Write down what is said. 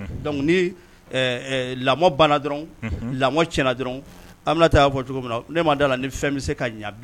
Un; Donc ni ɛɛ lamɔn banna dɔrɔn; Unhun; Lamɔn cɛnna dɔrɔn, Aminata y'a fɔ cogo min na, ne ma d'a la ni fɛn bɛ se ka ɲɛ